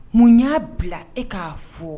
Mun y'a bila e k'a fo